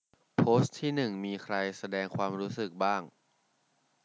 โพสต์ที่หนึ่งมีใครแสดงความรู้สึกบ้าง